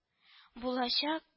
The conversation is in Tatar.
Булачак